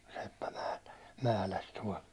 seppä - mähläsi tuolla